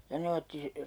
ja ne otti -